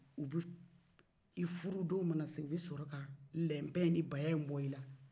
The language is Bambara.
u b'u i furu don mana se o bɛ sɔrɔ ka lɛnpɛ ni baya in bɔ e la